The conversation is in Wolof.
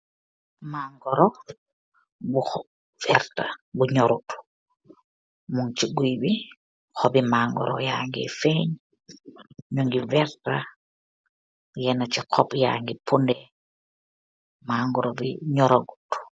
Mangoru bu hu vertah bu norut mung si gooi bi hopi mangoru yageh feeng mogi vertah yena si hoop yagi pondeh magoru bi noragut.